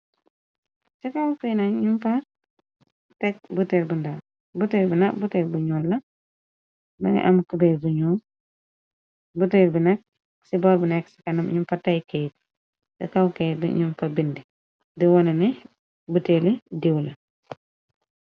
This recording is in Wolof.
ca kawedbuter bi na buter bu ñool la nani am kruñu bu ter bi nekk ci bor bu nekk ci kanam ñum fartaykayt te kawkey ñum fa bind di wona ni bu teeli diiwla